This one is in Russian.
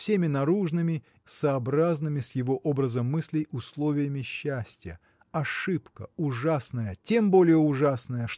всеми наружными и сообразными с его образом мыслей условиями счастья – ошибка ужасная тем более ужасная